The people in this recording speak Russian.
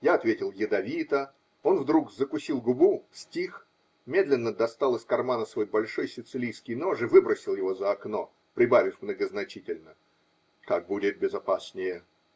я ответил ядовито, он вдруг закусил губу, стих, медленно достал из кармана свой большой сицилийский нож и выбросил его за окно, прибавив многозначительно: -- Так будет безопаснее.